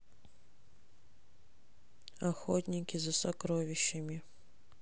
охотники за сокровищами